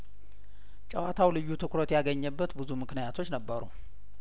ጨዋታው ልዩ ትኩረት ያገኘበት ብዙ ምክንያቶች ነበሩ